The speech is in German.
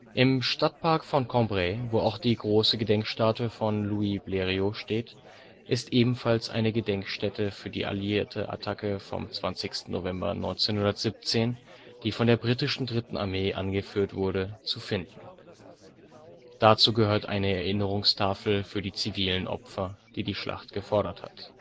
Im Stadtpark von Cambrai, wo auch die große Gedenkstatue von Louis Bleriot steht, ist ebenfalls eine Gedenkstätte für die alliierte Attacke vom 20. November 1917, die von der britischen 3. Armee angeführt wurde, zu finden. Dazu gehört eine Erinnerungstafel für die zivilen Opfer, die die Schlacht gefordert hat